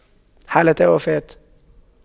حالتا وفاة